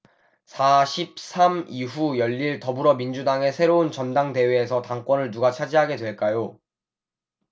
사 십 삼 이후 열릴 더불어민주당의 새로운 전당대회에서 당권을 누가 차지하게 될까요